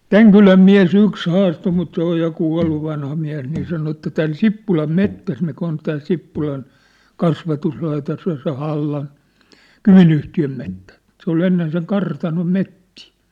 tämän kylän mies yksi haastoi mutta se on ja kuollut vanha mies niin sanoi että tämän Sippulan metsässä mikä on tämä Sippulan kasvatuslaitos ja se Hallan Kymi-yhtiön metsä mutta se oli ennen sen kartanon metsiä